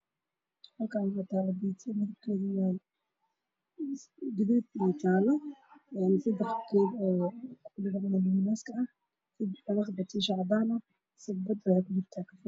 Waa pizza midabkiisu yahay jaale